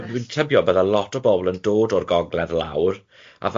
dwi'n tybio bydda lot o bobl yn dod o'r gogledd lawr, a falle